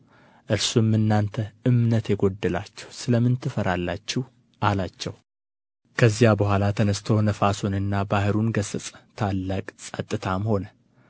እርሱም እናንተ እምነት የጎደላችሁ ስለ ምን ትፈራላችሁ አላቸው ከዚህ በኋላ ተነሥቶ ነፋሱንና ባሕሩን ገሠጸ ታላቅ ጸጥታም ሆነ